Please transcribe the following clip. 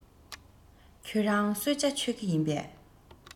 ཁྱོད རང གསོལ ཇ མཆོད ཀས ཡིན པས